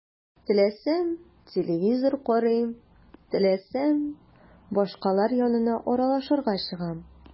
Теләсәм – телевизор карыйм, теләсәм – башкалар янына аралашырга чыгам.